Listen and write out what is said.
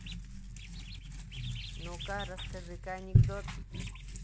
ну ка расскажи ка анекдот